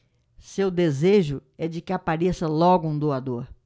seu desejo é de que apareça logo um doador